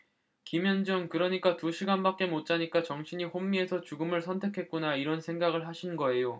김현정 그러니까 두 시간밖에 못 자니까 정신이 혼미해서 죽음을 선택했구나 이런 생각을 하신 거예요